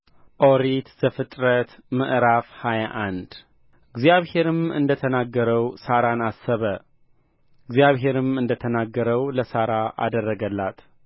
ኦሪት ዘፍጥረት ምዕራፍ ሃያ አንድ እግዚአብሔርም እንደ ተናገረው ሣራን አሰበ እግዚአብሔርም እንደ ተናገረው ለሣራ አደረገላት